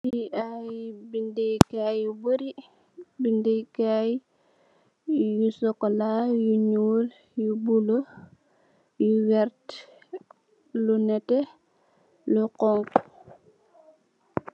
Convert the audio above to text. Li ay bende kai yu bari bende kai yu chocola yu nuul yu bulo yu wertah lu neteh lu xonxa.